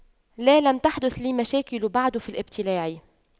لا لم تحدث لي مشاكل بعد في الابتلاع